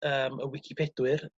yym y Wicipedwyr